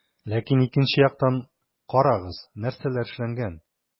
Ләкин икенче яктан - карагыз, нәрсәләр эшләнгән.